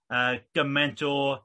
yy gyment o